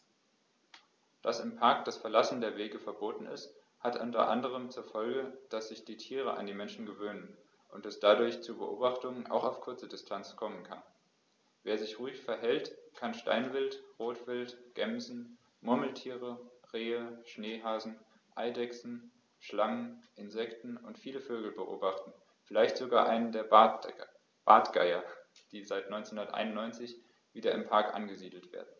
Dass im Park das Verlassen der Wege verboten ist, hat unter anderem zur Folge, dass sich die Tiere an die Menschen gewöhnen und es dadurch zu Beobachtungen auch auf kurze Distanz kommen kann. Wer sich ruhig verhält, kann Steinwild, Rotwild, Gämsen, Murmeltiere, Rehe, Schneehasen, Eidechsen, Schlangen, Insekten und viele Vögel beobachten, vielleicht sogar einen der Bartgeier, die seit 1991 wieder im Park angesiedelt werden.